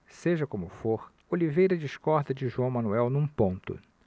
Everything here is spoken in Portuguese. seja como for oliveira discorda de joão manuel num ponto